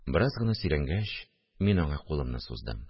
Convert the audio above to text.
Бераз гына сөйләнгәч, мин аңа кулымны суздым